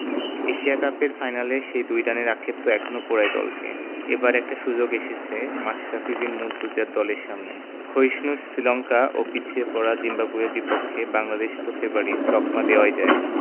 Asia কাপের ফাইনালের সেই ২ রানের আক্ষেপ তো এখনো পোড়ায় দলকে এবার একটা সুযোগ এসেছে মাশরাফি বিন মুর্তজার দলের সামনে ক্ষয়িষ্ণু শ্রীলঙ্কা ও পিছিয়ে থাকা জিম্বাবুয়ের বিপক্ষে বাংলাদেশকে তো ফেবারিট তকমা দেওয়াই যায়